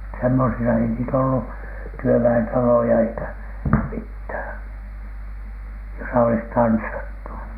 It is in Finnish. semmoisissa ei niitä ollut työväentaloja eikä mitään jossa olisi tanssittu